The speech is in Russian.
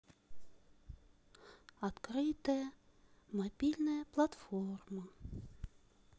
открытая мобильная платформа